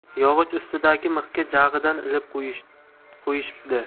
yog'och ustundagi mixga jag'idan ilib qo'yishibdi